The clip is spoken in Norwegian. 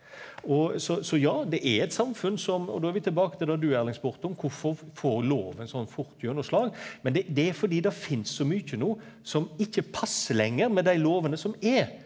og så så ja det er eit samfunn som og då er vi tilbake til det du Erling spurte om kvifor får loven sånn fort gjennomslag men det det er fordi det finst så mykje no som ikkje passar lenger med dei lovene som er.